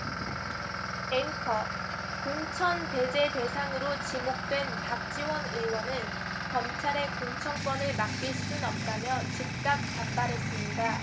앵커 공천 배제 대상으로 지목된 박지원 의원은 검찰에 공천권을 맡길 순 없다며 즉각 반발했습니다